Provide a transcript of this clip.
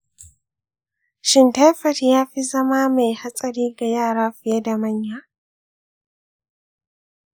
shin taifoid ya fi zama mai hatsari ga yara fiye da manya?